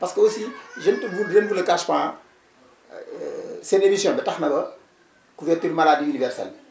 parce que aussi je ne te vous je ne vous le cache pas ah seen émission bi tax na ba couverture maladie universelle